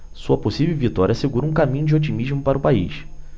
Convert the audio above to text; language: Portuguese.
sua possível vitória assegura um caminho de otimismo para o país